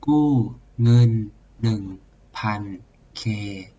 กู้เงินหนึ่งพันเค